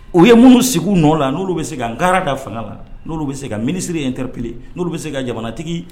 U ye minnu sigi nɔ la n'olu bɛ se ka ga ka fanga la n'olu bɛ se ka minisirire yen tip n'olu bɛ se ka jamanatigi